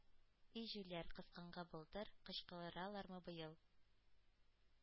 И җүләр! Кысканга былтыр, кычкыралармы быел!»